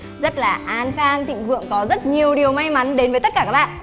rất là an khang thịnh vượng có rất nhiều điều may mắn đến với tất cả các bạn